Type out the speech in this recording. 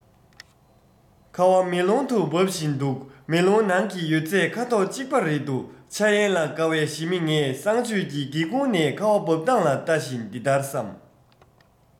ཁ བ མེ ལོང དུ འབབ བཞིན འདུག མེ ལོང ནང གི ཡོད ཚད ཁ དོག གཅིག པ རེད འདུག འཆར ཡན ལ དགའ བའི ཞི མི ངས གསང སྤྱོད ཀྱི སྒེའུ ཁུང ནས ཁ བ འབབ སྟངས ལ ལྟ བཞིན འདི ལྟར བསམ